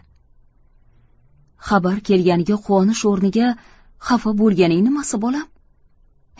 xabar kelganiga quvonish o'rniga xafa bo'lganing nimasi bolam